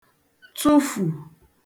tụfù